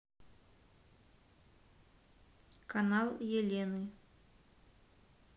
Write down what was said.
канал елены